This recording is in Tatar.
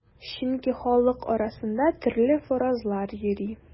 Чөнки халык арасында төрле фаразлар йөри.